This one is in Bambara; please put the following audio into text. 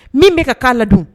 Min bɛka ka kaana la dun